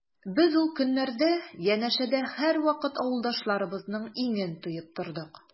Без ул көннәрдә янәшәдә һәрвакыт авылдашларыбызның иңен тоеп тордык.